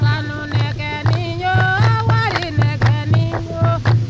sanunɛgɛnin yo warinɛgɛnin yo